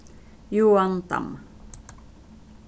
joan dam